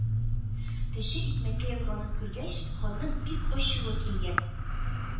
Төче икмәккә язганын күргәч, ханның бик ачуы килгән: